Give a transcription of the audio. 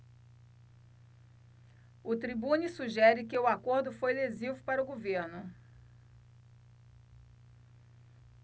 o tribune sugere que o acordo foi lesivo para o governo